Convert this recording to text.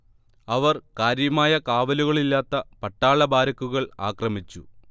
അവർ കാര്യമായ കാവലുകളില്ലാത്ത പട്ടാള ബാരക്കുകൾ ആക്രമിച്ചു